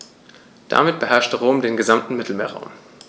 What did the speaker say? Damit beherrschte Rom den gesamten Mittelmeerraum.